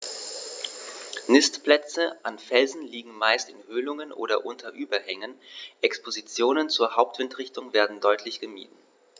Nistplätze an Felsen liegen meist in Höhlungen oder unter Überhängen, Expositionen zur Hauptwindrichtung werden deutlich gemieden.